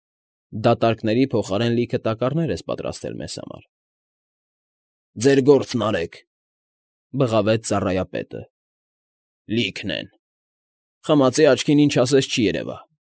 Դատարկների փոխարեն լիքը տակառներ ես պատրաստել մեզ համար։ ֊ Ձեր գործն արեք,֊ բղավեց ծառայապետը։֊ Լի՜քն են… Խմածի աչքին ինչ ասես չի երևա։